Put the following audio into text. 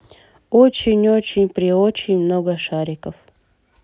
очень очень преочень много шариков